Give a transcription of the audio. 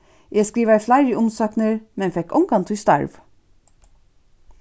eg skrivaði fleiri umsóknir men fekk ongantíð starv